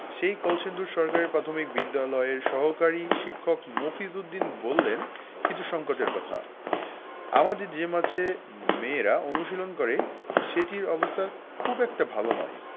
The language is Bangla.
সেই কলসিন্দুর সরকারি প্রাথমিক বিদ্যালয়ের সহকারী শিক্ষক মফিজ উদ্দিন বললেন কিছু সংকটের কথা আমাদের যে মাঠে মেয়েরা অনুশীলন করে সেটির অবস্থা খুব একটা ভালো নয়